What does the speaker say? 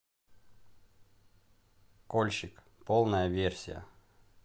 кольщик полная версия